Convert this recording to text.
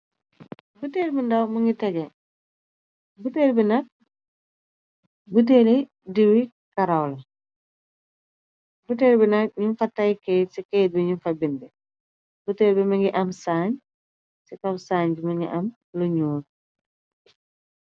Buteel buh diw bukeh teguh, buteel bi nag ñuñ fa bendah diwih kawarr , buteer bi mi ngi faah teei keet beteel bi bugeh am saañ ci kaw saañ bi mi ngi am luuh ñuul.